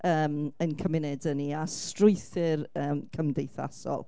yym ein cymunedau ni a strywthyr cymdeithasol